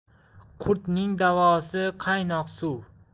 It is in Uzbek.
qurtning davosi qaynoq suv